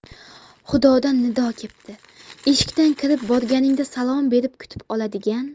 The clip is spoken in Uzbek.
xudodan nido kepti eshikdan kirib borganingda salom berib kutib oladigan